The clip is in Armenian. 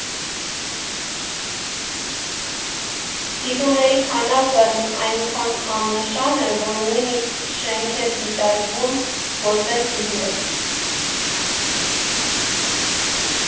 Դիտումների քանակն այնքան աննշան է, որ նույնիսկ չենք էլ դիտարկվում որպես բիզնես։